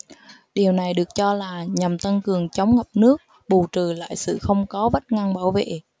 điều này được cho là nhằm tăng cường chống ngập nước bù trừ lại sự không có vách ngăn bảo vệ